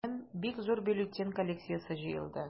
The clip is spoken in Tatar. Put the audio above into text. Минем бик зур бюллетень коллекциясе җыелды.